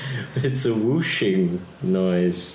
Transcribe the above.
It's a whooshing noise.